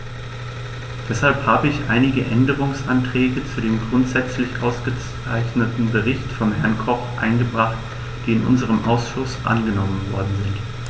Deshalb habe ich einige Änderungsanträge zu dem grundsätzlich ausgezeichneten Bericht von Herrn Koch eingebracht, die in unserem Ausschuss angenommen worden sind.